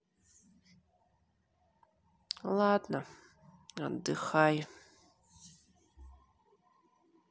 ладно отдыхай